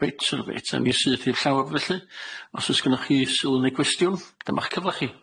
Reit ta, reit ta, ewn ni syth i'r llawr felly. Os o's gynnoch chi sylw neu gwestiwn, dyma'ch cyfla chi.